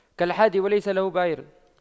كالحادي وليس له بعير